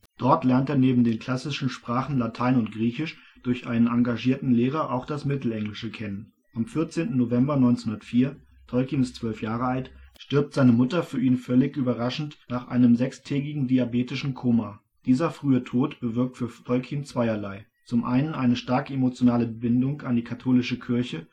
Dort lernt er neben den klassischen Sprachen Latein und Griechisch durch einen engagierten Lehrer auch das Mittelenglische kennen. Am 14. November 1904, Tolkien ist zwölf Jahre alt, stirbt seine Mutter für ihn völlig überraschend nach einem sechstägigen diabetischen Koma. Dieser frühe Tod bewirkt für Tolkien zweierlei: Zum einen eine starke emotionale Bindung an die katholische Kirche